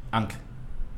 An